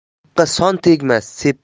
ahmoqqa son tegmas